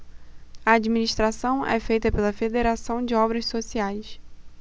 a administração é feita pela fos federação de obras sociais